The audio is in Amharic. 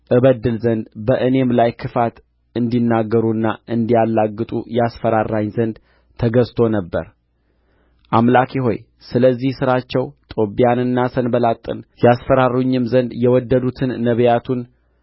እበድል ዘንድ በእኔም ላይ ክፋት እንዲናገሩና እንዲያላግጡ ያስፈራራኝ ዘንድ ተገዝቶ ነበር አምላኬ ሆይ ስለዚህ ሥራቸው ጦብያንና ሰንባላጥን ያስፈራሩኝም ዘንድ የወደዱትን ነቢይቱን